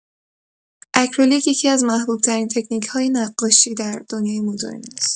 اکریلیک یکی‌از محبوب‌ترین تکنیک‌های نقاشی در دنیای مدرن است.